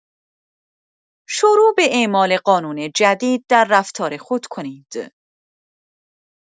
شروع به اعمال قانون جدید در رفتار خود کنید.